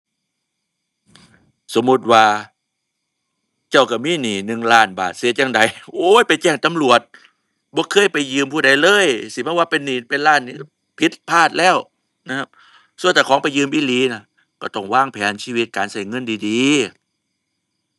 สมมุติว่า เจ้าก็มีหนี้หนึ่งล้านบาทสิเฮ็ดจั่งใด โอ๊ย ไปแจ้งตำรวจ บ่เคยไปยืมผู้ใดเลยสิมาว่าเป็นหนี้เป็นล้านนี่ผิดพลาดแล้ว นะ ซั่วเจ้าของไปยืมอีหลีน่ะ ก็ต้องวางแผนชีวิตการก็เงินดีดี